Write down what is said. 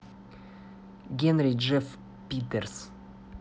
генри джефф питерс